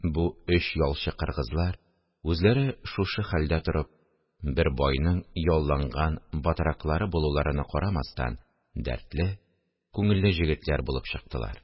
Бу өч ялчы кыргызлар, үзләре шушы хәлдә торып, бер байның ялланган батраклары булуларына карамастан, дәртле, күңелле җегетләр булып чыктылар